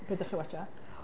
Be dach chi'n watsiad?